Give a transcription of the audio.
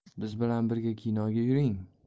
biz bilan birga kinoga yuring